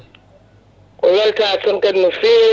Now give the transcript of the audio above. ko weltare tan kadi no fewi